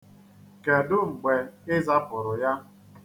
Kedu mgbe ị zapụrụ ya?